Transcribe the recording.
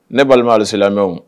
Ne balima halisilamɛw